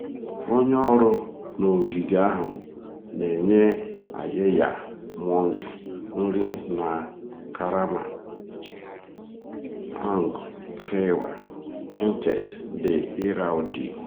Onye ọrụ n'ogige ahụ na-enye Ayeyar Maung nri na karama. / Aung Kyaw Htet / The Irrawaddy